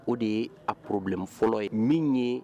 O de ye a kurubilen fɔlɔ ye min ye